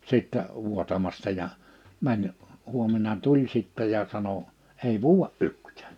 sitten vuotamasta ja meni huomenna tuli sitten ja sanoi ei vuoda yhtään